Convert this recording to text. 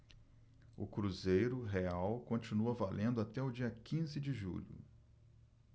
o cruzeiro real continua valendo até o dia quinze de julho